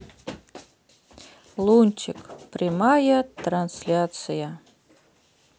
лунтик прямая трансляция